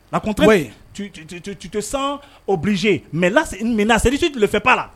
A kɔn tɔgɔ ye san o bilisize mɛ selijifɛ b'a la